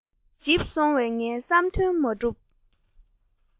འཇིབས སོང བས ངའི བསམ དོན མ གྲུབ